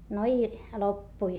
no i loppui